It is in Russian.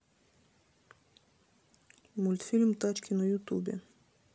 мультфильм тачки на ютубе